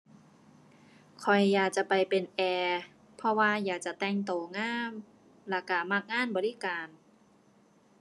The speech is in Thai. ข้อยอยากจะไปเป็นแอร์ เพราะว่าอยากจะแต่งตัวงามแล้วตัวมักงานบริการ